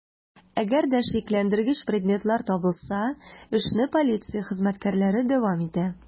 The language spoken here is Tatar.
Әгәр дә шикләндергеч предметлар табылса, эшне полиция хезмәткәрләре дәвам итә.